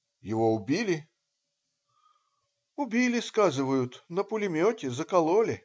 - "Его убили?" - "Убили, сказывают, на пулемете закололи".